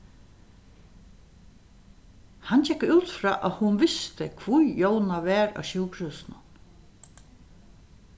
hann gekk út frá at hon visti hví jóna var á sjúkrahúsinum